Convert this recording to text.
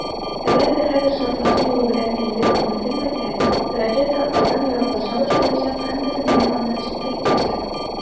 Әгәр дә хәзер шартлату юлы белән тизлек киметелмәсә, ракета Айдан ераклаша башлаячак һәм бөтенләй аннан читкә китәчәк.